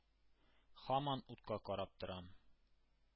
Һаман утка карап торам.